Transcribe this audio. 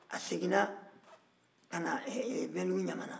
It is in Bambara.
a seginna ka na bɛndugu ɲamana